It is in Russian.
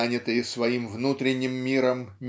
занятые своим внутренним миром